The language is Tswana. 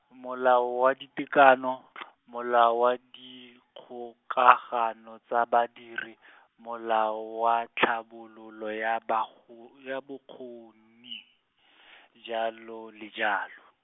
Molao wa di Tekano , Molao wa Dikgokagano tsa Badiri , Molao wa Tlhabololo ya Bago-, ya Bokgoni , jalo le jalo.